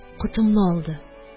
Котымны алды